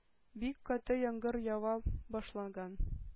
Бик каты яңгыр ява башлаган.